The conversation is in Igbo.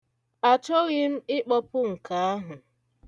Achọghị m ịkpọpu nke ahụ.